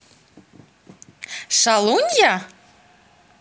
шалунья